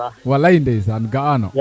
walay ndeyasaan ga'ano